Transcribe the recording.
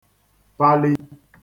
pali